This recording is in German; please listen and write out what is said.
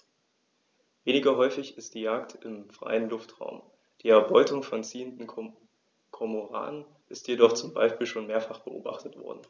Weniger häufig ist die Jagd im freien Luftraum; die Erbeutung von ziehenden Kormoranen ist jedoch zum Beispiel schon mehrfach beobachtet worden.